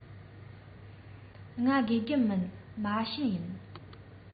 ང དགེ རྒན མིན མ བྱན ཡིན